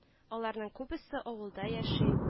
Аларның күбесе авылда яши